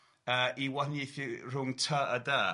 yy i wahaniaethu rhwng ty a dy.